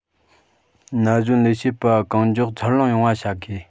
ན གཞོན ལས བྱེད པ གང མགྱོགས འཚར ལོངས ཡོང བ བྱ དགོས